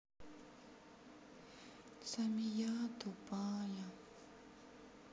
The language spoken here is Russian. самия тупая